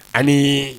Ayi